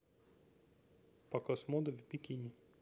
показ моды в бикини